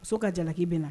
So ka jalaki bɛ na